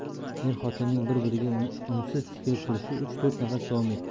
er xotinning bir biriga unsiz tikilib turishi uch to'rt nafas davom etdi